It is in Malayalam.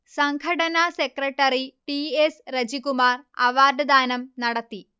സംഘടനാ സെക്രട്ടറി ടി. എസ്. റജികുമാർ അവാർഡ്ദാനം നടത്തി